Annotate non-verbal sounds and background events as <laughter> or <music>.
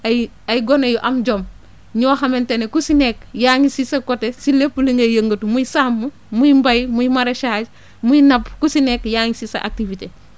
ay ay gone yu am jom ñoo xamante ne ku si nekk yaa ngi si sa côté si lépp li ngay yëngatu muy sàmm muy mbay muy maraichage <breath> muy napp ku si nekk yaa ngi si sa activité